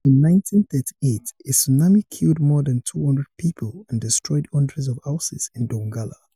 In 1938, a tsunami killed more than 200 people and destroyed hundreds of houses in Donggala.